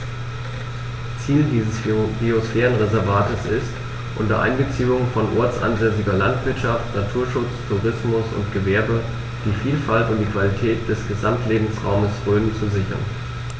Ziel dieses Biosphärenreservates ist, unter Einbeziehung von ortsansässiger Landwirtschaft, Naturschutz, Tourismus und Gewerbe die Vielfalt und die Qualität des Gesamtlebensraumes Rhön zu sichern.